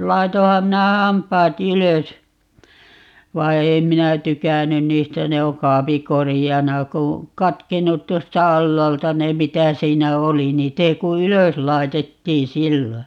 laitoinhan minä hampaat ylös vaan ei minä tykännyt niistä ne on kaapin koreana kun katkennut tuosta alhaalta ne mitä siinä oli niitä ei kuin ylös laitettiin silloin